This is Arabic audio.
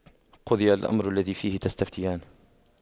قُضِيَ الأَمرُ الَّذِي فِيهِ تَستَفِتيَانِ